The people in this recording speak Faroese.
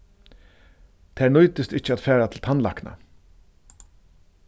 tær nýtist ikki at fara til tannlækna